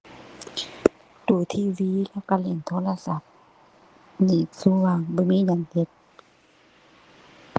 ดู TV แล้วก็เล่นโทรศัพท์ ดีกว่าว่างบ่มีหยังเฮ็ด